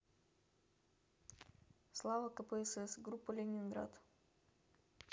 слава кпсс группа ленинград